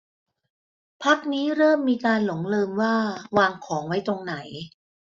พักนี้เริ่มมีการหลงลืมว่าวางของไว้ตรงไหน